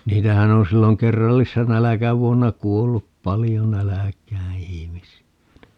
niitähän on silloin kerrallisena nälkävuonna kuollut paljon nälkään ihmisiä niin